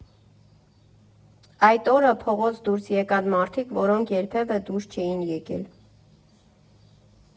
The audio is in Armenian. Այդ օրը փողոց դուրս եկան մարդիկ, որոնք երբևէ դուրս չէին եկել.